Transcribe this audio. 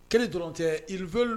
Kelen dɔrɔn tɛ riv